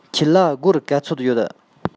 ཁྱེད ལ སྒོར ག ཚོད ཡོད